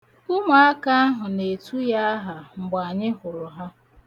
Ụmụaka ahụ na-etu ya aha mgbe anyị hụrụ ha.